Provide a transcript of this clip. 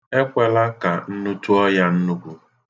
Ekwela ka nnu tụọ ya nnukwu.